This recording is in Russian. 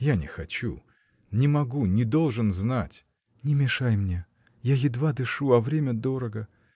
Я не хочу, не могу, не должен знать. — Не мешай мне! я едва дышу, а время дорого!